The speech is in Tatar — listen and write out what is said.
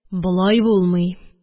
Болай булмый